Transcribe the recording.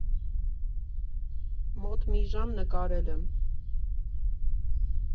Մոտ մի ժամ նկարել եմ։